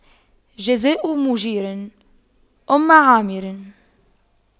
جزاء مُجيرِ أُمِّ عامِرٍ